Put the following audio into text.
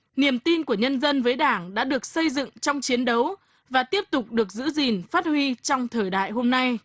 niềm tin của nhân dân với đảng đã được xây dựng trong chiến đấu và tiếp tục được giữ gìn phát huy trong thời đại hôm nay